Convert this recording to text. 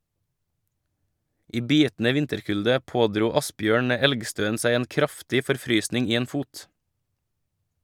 I bitende vinterkulde pådro Asbjørn Elgstøen seg en kraftig forfrysning i en fot.